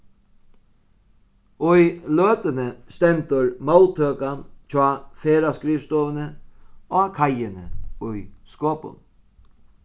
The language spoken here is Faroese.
í løtuni stendur móttøkan hjá ferðaskrivstovuni á kaiini í skopun